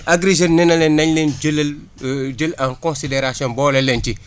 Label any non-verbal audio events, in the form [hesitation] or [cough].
A1gri Jeunes nee na leen nañ leen jëlal [hesitation] jël en considération boole leen ci